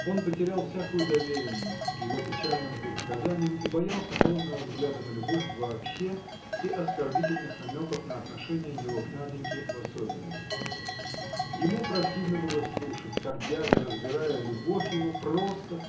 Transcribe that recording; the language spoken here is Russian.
Он потерял всякую доверенность к его печальным предсказаниям и боялся холодного взгляда на любовь вообще и оскорбительных намеков на отношения его к Наденьке в особенности. Ему противно было слушать как дядя разбирая любовь его просто